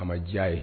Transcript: A ma diya ye